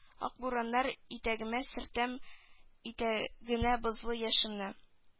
Ак бураннар итәгенә сөртәм итәгенә бозлы яшемне